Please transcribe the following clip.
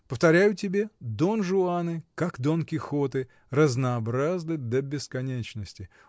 Повторяю тебе, Дон Жуаны, как Дон Кихоты, разнообразны до бесконечности.